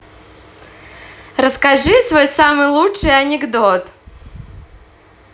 расскажи свой самый лучший анекдот